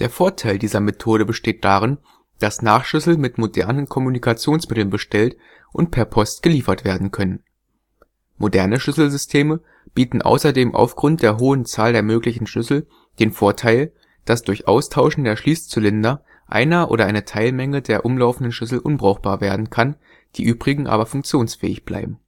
Vorteil dieser Methode besteht darin, dass Nachschlüssel mit modernen Kommunikationsmitteln bestellt und per Post geliefert werden können. Moderne Schlüsselsysteme bieten außerdem aufgrund der hohen Zahl der möglichen Schlüssel den Vorteil, dass durch Austauschen der Schließzylinder einer oder eine Teilmenge der umlaufenden Schlüssel unbrauchbar werden kann, die übrigen aber funktionsfähig bleiben